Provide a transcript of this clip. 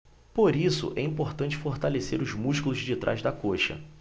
por isso é importante fortalecer os músculos de trás da coxa